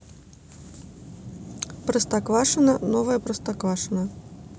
простоквашино новое простоквашино